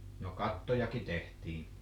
no kattojakin tehtiin